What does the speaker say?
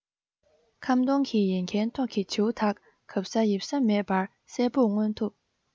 ཁམ སྡོང གི ཡལ གའི ཐོག གི བྱིའུ དག གབ ས ཡིབ ས མེད པར གསལ པོར མངོན ཐུབ